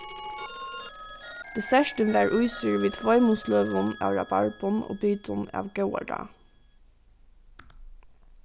dessertin var ísur við tveimum sløgum av rabarbum og bitum av góðaráð